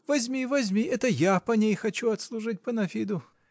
Возьми, возьми, это я по ней хочу отслужить панафиду.